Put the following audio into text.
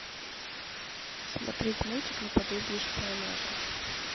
смотреть мультик на подобии шпионажа